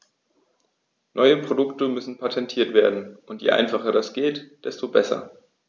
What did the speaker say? Neue Produkte müssen patentiert werden, und je einfacher das geht, desto besser.